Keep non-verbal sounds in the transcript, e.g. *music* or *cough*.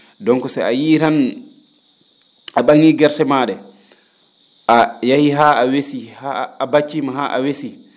donc si a yiyii ran *smacks lips* a ?a?ii gerse maa ?ee a yahii haa a wesii haa a bacciima haa a wesii